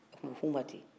a tun bɛ fɔ u ma ten